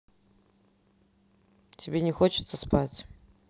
тебе не хочется спать